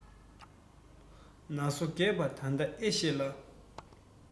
ན སོ རྒས པ ད ལྟ ཨེ ཤེས ལ